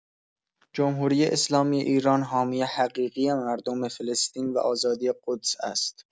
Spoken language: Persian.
جمهوری‌اسلامی ایران حامی حقیقی مردم فلسطین و آزادی قدس است.